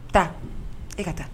Taa e ka taa